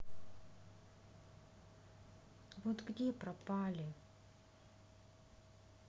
вот где пропали